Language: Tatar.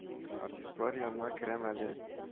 — артистлар янына керәм әле